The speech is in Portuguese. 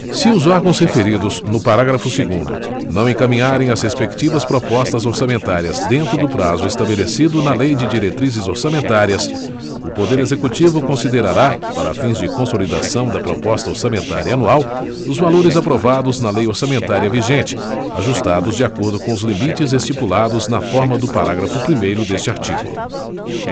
se os órgãos referidos no parágrafo segundo não encaminharem as respectivas propostas orçamentárias dentro do prazo estabelecido na lei de diretrizes orçamentárias o poder executivo considerará para fins de consolidação da proposta orçamentária anual os valores aprovados na lei orçamentária vigente ajustados de acordo com os limites estipulados na forma do parágrafo primeiro deste artigo